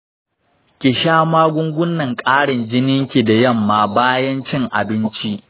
ki sha magangunan ƙarin jininki da yamma bayan cin abinci.